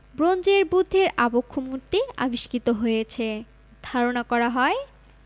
ব্রোঞ্জের বুদ্ধের আবক্ষমূর্তি আবিষ্কৃত হয়েছে ধারণা করা হয়